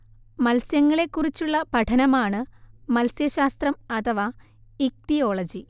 മത്സ്യങ്ങളെക്കുറിച്ചുള്ള പഠനമാണ് മത്സ്യശാസ്ത്രം അഥവാ ഇക്തിയോളജി